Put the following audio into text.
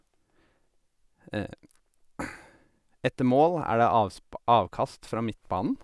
Etter mål er det avsp avkast fra midtbanen.